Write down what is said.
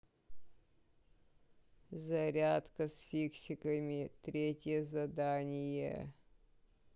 зарядка с фиксиками третье задание